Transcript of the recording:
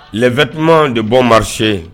Les vêtements de bon marché